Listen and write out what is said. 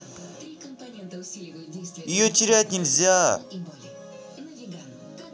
ее терять нельзя